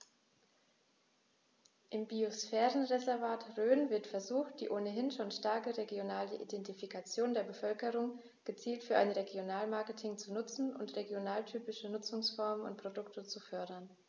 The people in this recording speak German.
Im Biosphärenreservat Rhön wird versucht, die ohnehin schon starke regionale Identifikation der Bevölkerung gezielt für ein Regionalmarketing zu nutzen und regionaltypische Nutzungsformen und Produkte zu fördern.